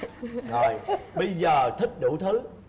rồi bây giờ thích đủ thứ